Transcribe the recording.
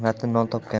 mehnatni non topgan